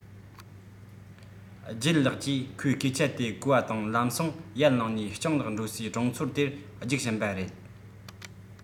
ལྗད ལགས ཀྱིས ཁོའི སྐད ཆ དེ གོ བ དང ལམ སེང ཡར ལངས ནས སྤྱང ལགས འགྲོ སའི གྲོང ཚོ དེར རྒྱུགས ཕྱིན པ རེད